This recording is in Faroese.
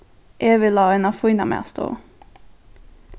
eg vil á eina fína matstovu